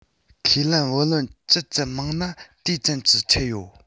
ཁས ལེན བུ ལོན ཇི ཙམ མང ན དེ ཙམ གྱིས ཆད ཡོད